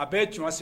A bɛɛ ye cse